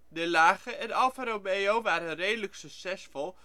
Delage en Alfa Romeo waren redelijk succesvol